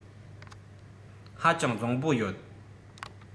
ཧ ཅང བཟང པོ ཡོད